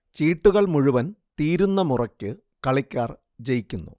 ചീട്ടുകൾ മുഴുവൻ തീരുന്ന മുറയ്ക്ക് കളിക്കാർ ജയിക്കുന്നു